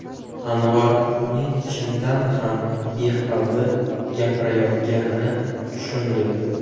anvar uning chindan ham behazil gapirayotganini tushundi